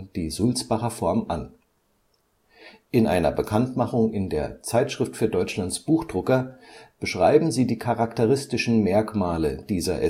die Sulzbacher Form an. In einer Bekanntmachung in der Zeitschrift für Deutschlands Buchdrucker beschreiben sie die charakteristischen Merkmale dieser